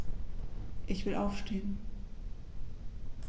Ich will aufstehen.